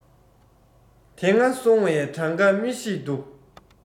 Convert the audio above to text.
དེ སྔ སོང བའི གྲངས ཀ མི ཤེས འདུག